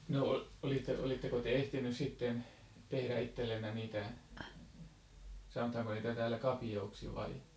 no olitteko olitteko te ehtinyt sitten tehdä itsellenne niitä sanotaanko niitä täällä kapioiksi vai